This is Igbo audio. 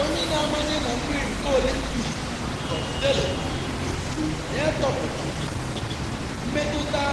Onye na-amanye na mmiri nke Olympic Tom Daley kwuru na ya toputara na mmetụta